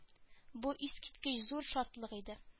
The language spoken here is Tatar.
Бу искиткеч зур шатлык иде